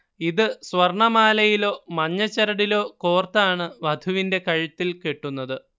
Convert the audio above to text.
ഇത് സ്വർണമാലയിലോ മഞ്ഞച്ചരടിലോ കോർത്താണ് വധുവിന്റെ കഴുത്തിൽ കെട്ടുന്നത്